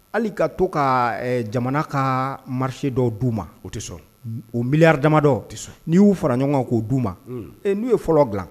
Hali ka to ka jamana ka marisi dɔw d' u ma o tɛ sɔn o mi damadɔ tɛ sɔn n'i y'u fara ɲɔgɔn kan'o d uu ma n'u ye fɔlɔ dila